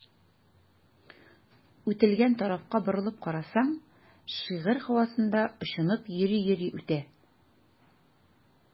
Үтелгән тарафка борылып карасаң, шигырь һавасында очынып йөри-йөри үтә.